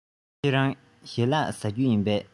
ཁྱེད རང ཞལ ལག མཆོད རྒྱུ བཟའ རྒྱུ ཡིན པས